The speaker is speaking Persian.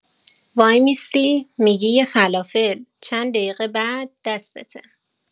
وایمیستی، می‌گی «یه فلافل»، چند دقیقه بعد دستته.